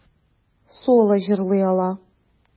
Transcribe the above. Соло җырлый ала.